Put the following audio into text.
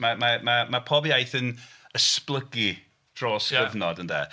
Ma' mae ma' pob iaith yn esblygu dros... ie. ...gyfnod ynde.